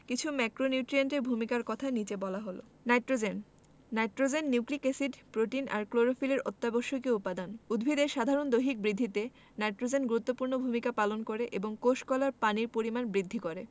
কিছু ম্যাক্রোনিউট্রিয়েন্টের ভূমিকার কথা নিচে বলা হল nitrogen nitrogen nucleic acid protein আর ক্লোরোফিলের অত্যাবশ্যকীয় উপাদান উদ্ভিদের সাধারণ দৈহিক বৃদ্ধিতে নাইট্রোজেন গুরুত্বপূর্ণ ভূমিকা পালন করে এবং কোষ কলায় পানির পরিমাণ বৃদ্ধি করে